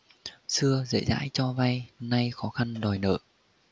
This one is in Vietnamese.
xưa dễ dãi cho vay nay khó khăn đòi nợ